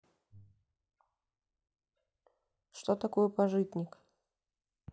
что такое пажитник